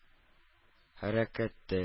Хәрәкәте